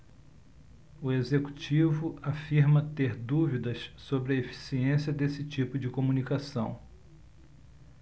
o executivo afirma ter dúvidas sobre a eficiência desse tipo de comunicação